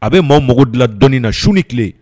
A bɛ maaw mako dilan dɔnini na su ni kile